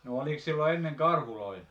no oliko silloin ennen karhuja